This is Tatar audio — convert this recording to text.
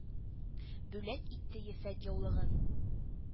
Бүләк итте ефәк яулыгын;